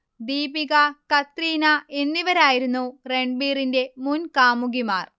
ദീപിക, കത്രീന എന്നിവരായിരുന്നു റൺബീറിന്റെ മുൻ കാമുകിമാർ